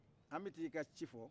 an bɛ taa i ka ci fɔ